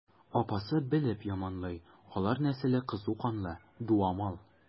Апасы белеп яманлый: алар нәселе кызу канлы, дуамал.